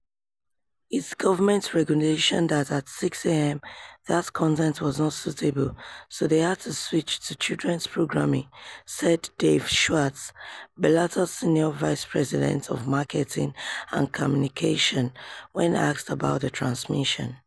"It's government regulation that at 6 a.m. that content was not suitable so they had to switch to children's programming, " said Dave Schwartz, Bellator senior vice president of marketing and communication, when asked about the transmission.